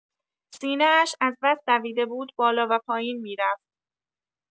سینه‌اش از بس دویده بود بالا و پایین می‌رفت.